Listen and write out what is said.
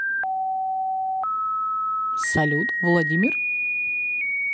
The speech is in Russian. салют владимир